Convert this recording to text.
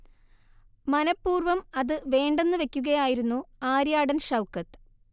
മനപ്പൂർവ്വം അത് വേണ്ടെന്ന് വയ്ക്കുകയായിരുന്നു ആര്യാടൻ ഷൗ്ക്കത്ത്